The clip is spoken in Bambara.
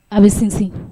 A bɛ sinsin